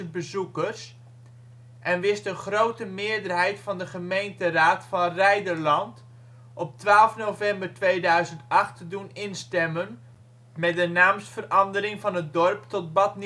bezoekers en wist een grote meerderheid van de gemeenteraad van Reiderland op 12 november 2008 te doen instemmen met de naamsverandering van het dorp tot Bad